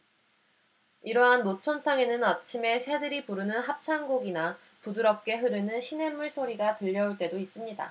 이러한 노천탕에는 아침에 새들이 부르는 합창곡이나 부드럽게 흐르는 시냇물 소리가 들려올 때도 있습니다